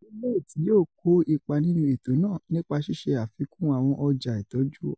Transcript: Ó sọ pé Lloyds yóò kó ipa nínú ètò náà, nípa ṣíṣe àfikún àwọn ọjà itọju